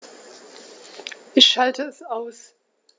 Ich schalte es aus.